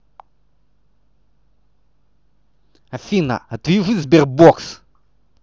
афина отвяжи sberbox